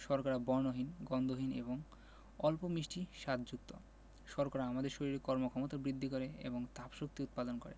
শর্করা বর্ণহীন গন্ধহীন এবং অল্প মিষ্টি স্বাদযুক্ত শর্করা আমাদের শরীরে কর্মক্ষমতা বৃদ্ধি করে এবং তাপশক্তি উৎপাদন করে